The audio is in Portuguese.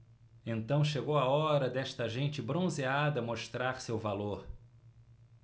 então chegou a hora desta gente bronzeada mostrar seu valor